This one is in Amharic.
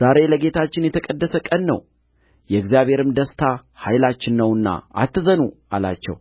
ዛሬ ለጌታችን የተቀደሰ ቀን ነው የእግዚአብሔርም ደስታ ኃይላችሁ ነውና አትዘኑ አላቸው